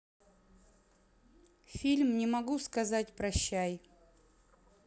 фильм не могу сказать прощай